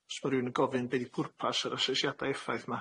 Os ma' rywun yn gofyn be' 'di pwrpas yr asesiada effaith 'ma,